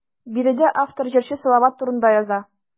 Биредә автор җырчы Салават турында яза.